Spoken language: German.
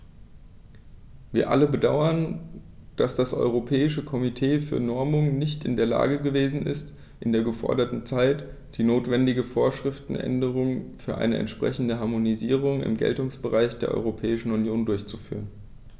Wir alle bedauern, dass das Europäische Komitee für Normung nicht in der Lage gewesen ist, in der geforderten Zeit die notwendige Vorschriftenänderung für eine entsprechende Harmonisierung im Geltungsbereich der Europäischen Union durchzuführen.